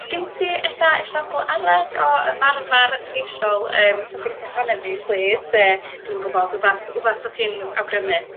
sgen ti ella esiampl arall o ymarfer lleisiol yym sa chi'n gallu rhannu efo ni plîs yy dwi'm yn gwbod wbath wbath fydd chi'n awgrymu?